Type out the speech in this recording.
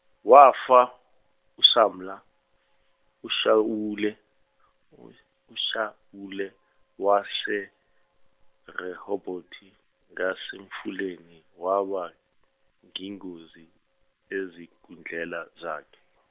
wafa uSamla uShawule, u- uShawule waseRehoboti ngasemfuleni waba yiNkosi esikhundleni sakhe.